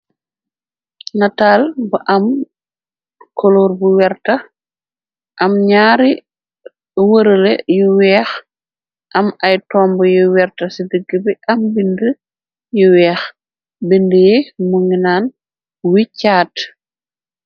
Nataal bu am coloor bu werta am ñaari wërale yu weex am ay tombu yu werta ci dëgg bi am bind yu weex bind yi monginaan wi caat.